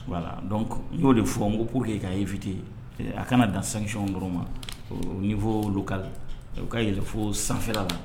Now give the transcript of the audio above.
Wala n y'o de fɔ n ko pour que ka ye fit a kana dan sancɔn kɔrɔ ma ni fɔka ka yɛrɛ fo sanfɛfɛ la